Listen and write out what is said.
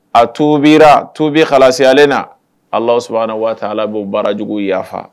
A tubila, tubi halasiyalen na . Alahu subahana watala bo baara jugu yafa.